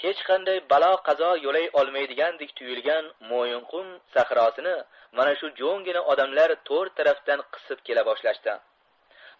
hech qanday balo qazo yo'lay olmaydigandek tuyulgan mo'yinqum sahrosini mana shu jo'ngina odamlar to'rt tarafdan qisib kela boshlashdi